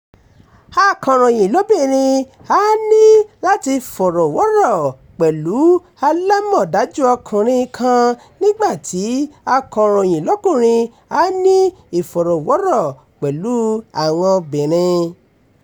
Akọ̀ròyìn lóbìnrin á ní láti fọ̀rọ̀wọ́rọ̀ pẹ̀lú alámọ̀dájú ọkùnrin kan nígbà tí Akọ̀ròyìn lọ́kùnrin á ní ìfọ̀rọ̀wọ́rọ̀ pẹ̀lú àwọn obìnrin.